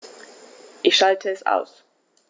Ich schalte es aus.